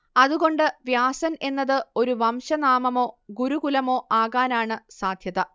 അതുകൊണ്ട് വ്യാസൻ എന്നത് ഒരു വംശനാമമോ ഗുരുകുലമോ ആകാനാണ് സാധ്യത